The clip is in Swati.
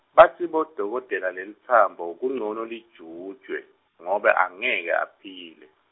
batsi bodokotela lelitsambo kuncono lijutjwe, ngobe angeke aphile.